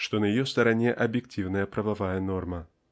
что на ее стороне объективная правовая норма.